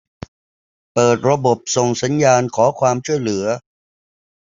เปิดระบบส่งสัญญาณขอความช่วยเหลือ